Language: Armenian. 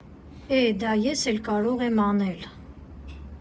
Է՜, դա ես էլ կարող եմ անել։